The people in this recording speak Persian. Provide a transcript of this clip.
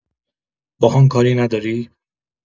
باهام کاری نداری؟